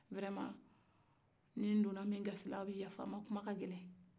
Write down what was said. wɛrɛma ni n donna min gasi la a bɛ yafa n ma kuma ka gɛlɛ